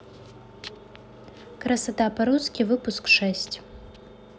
красота по русски выпуск шесть